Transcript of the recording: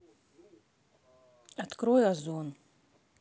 открой озон